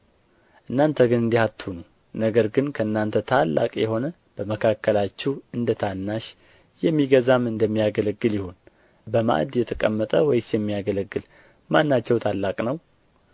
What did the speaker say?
እናንተ ግን እንዲህ አትሁኑ ነገር ግን ከእናንተ ታላቅ የሆነ በመካከላችሁ እንደ ታናሽ የሚገዛም እንደሚያገለግል ይሁን በማዕድ የተቀመጠ ወይስ የሚያገለግል ማናቸው ታላቅ ነው